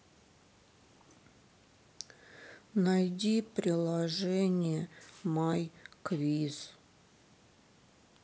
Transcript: найди приложение май квиз